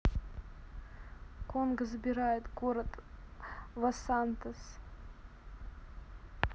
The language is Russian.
конго сбивает город во сантос